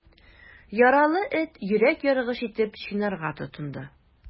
Яралы эт йөрәк яргыч итеп чинарга тотынды.